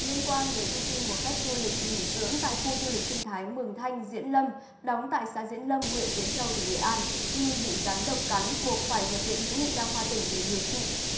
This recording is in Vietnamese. liên quan đến thông tin một khách du lịch nghỉ dưỡng tại khu du lịch sinh thái mường thanh diễn lâm đóng tại xã diễn lâm huyện diễn châu tỉnh nghệ an nghi bị rắn độc cắn buộc phải nhập viện hữu nghị đa khoa tỉnh để điều trị